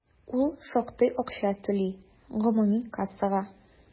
Ул шактый акча түли гомуми кассага.